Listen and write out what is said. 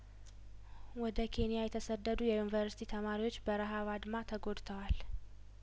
ወደ ኬንያ የተሰደዱ የዩኒቨርስቲ ተማሪዎች በረሀብ አድማ ተጐድተዋል